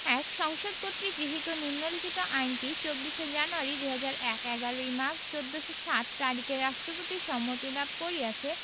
১. সংসদ কর্তৃক গৃহীত নিম্নলিখিত আইনটি ২৪শে জানুয়ারী ২০০১ ১১ই মাঘ ১৪০৭ তারিখে রাষ্ট্রপতির সম্মতি লাভ করিয়অছে